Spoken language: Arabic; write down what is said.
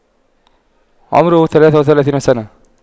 عمره ثلاثة وثلاثين سنة